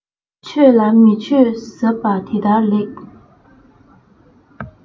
ཆོས ལ མི ཆོས ཟབ པ འདི ལྟར ལེགས